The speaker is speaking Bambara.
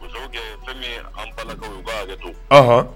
Fɛnkaw